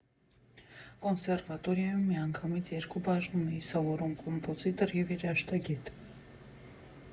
Կոնսերվատորիայում միանգամից երկու բաժնում էի սովորում՝ կոմպոզիտոր ու երաժշտագետ։